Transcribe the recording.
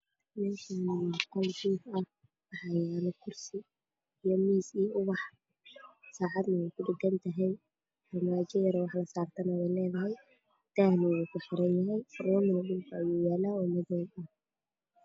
Meeshan waa qol jiif ah waxaa yaalla kursi miis ubax ku dhigaan saacad ay leedahay farmaajo oo wax la saar saarto